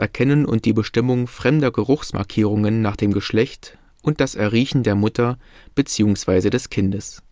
Erkennen und die Bestimmung fremder Geruchsmarkierungen nach dem Geschlecht und das Erriechen der Mutter beziehungsweise des Kindes